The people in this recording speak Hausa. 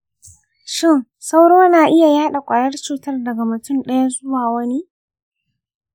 shin sauro na iya yaɗa ƙwayar cutar daga mutum ɗaya zuwa wani?